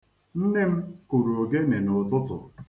Nne m kụrụ ogene n'ụtụtụ.